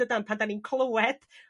yn dydan? Pan 'da ni'n clywed